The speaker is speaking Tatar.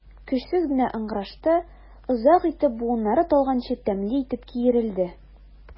Көчсез генә ыңгырашты, озак итеп, буыннары талганчы тәмле итеп киерелде.